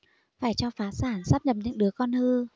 phải cho phá sản sáp nhập những đứa con hư